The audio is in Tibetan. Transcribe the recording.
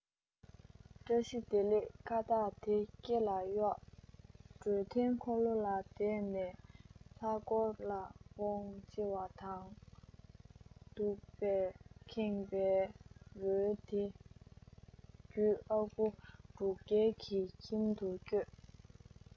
བཀྲ ཤེས བདེ ལེགས ཁ བཏགས དེ སྐེ ལ གཡོགས འདྲུད འཐེན འཁོར ལོ ལ བསྡད ནས ལྟ སྐོར ལ འོངས ལྕི བ དང སྟུག པས ཁེངས པའི རོལ དེ བརྒྱུད ཨ ཁུ འབྲུག རྒྱལ གྱི ཁྱིམ དུ བསྐྱོད